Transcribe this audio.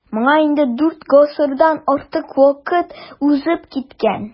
Моңа инде дүрт гасырдан артык вакыт узып киткән.